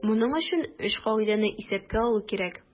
Моның өчен өч кагыйдәне исәпкә алу кирәк.